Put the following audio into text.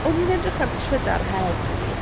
O'n i'n edrych ar Trydar heddi.